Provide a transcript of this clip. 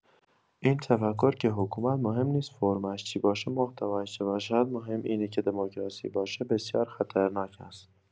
این تفکر که حکومت مهم نیست فرمش چی باشه محتوایش چه باشد مهم اینه که دموکراسی باشه بسیار خطرناک است.